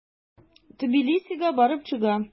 Тбилисига барып чыга.